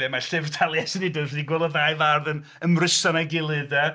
Er mae llyfr Taliesin ydi o dan ni'n gweld y ddau fardd yn ymryson a'i gilydd 'de.